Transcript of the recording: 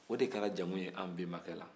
o de kɛra jamu ye an bɛnba la